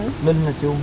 linh là chuông